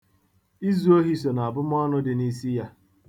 Izu ohi so n'abụmọọnụ di n'isi ya.